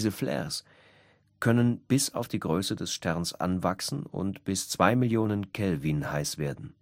Flares können bis auf die Größe des Sterns anwachsen und bis 2 Millionen K (Kelvin) heiß werden